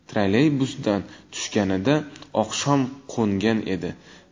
trolleybusdan tushganida oqshom qo'ngan edi